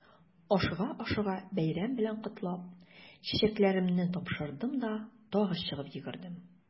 Ашыга-ашыга бәйрәм белән котлап, чәчәкләремне тапшырдым да тагы чыгып йөгердем.